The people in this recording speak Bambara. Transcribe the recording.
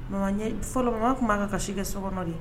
Fɔlɔ tun b'a ka si kɛ so sɔgɔma de